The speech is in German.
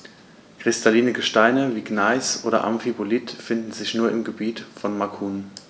Kristalline Gesteine wie Gneis oder Amphibolit finden sich nur im Gebiet von Macun.